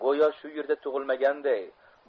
go'yo shu yerda tug'ilmaganday